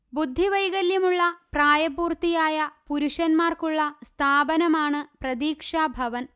ബുദ്ധിവൈകല്യമുള്ള പ്രായപൂർത്തിയായ പുരുഷന്മാർക്കുള്ള സ്ഥാപനമാണ് പ്രതീക്ഷാ ഭവൻ